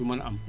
du mën a am